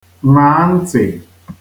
ṅaa ntị̀